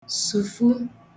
sùfu